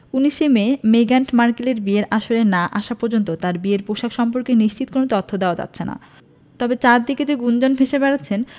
১৯ May মেগান মার্কেলের বিয়ের আসরে না আসা পর্যন্ত তাঁর বিয়ের পোশাক সম্পর্কে নিশ্চিত কোনো তথ্য দেওয়া যাচ্ছে না তবে চারদিকে যে গুঞ্জন ভেসে বেড়াচ্ছে